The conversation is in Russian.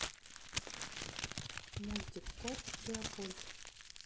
мультик кот леопольд